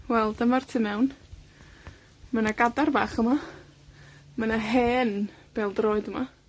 Wel, dyma'r tu mewn. Ma' 'na gadar bach yma. Ma 'na hen bêl-droed yma.